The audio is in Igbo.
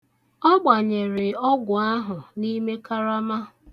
Ọ gbanyere ọgwụ ahụ n'ime karama.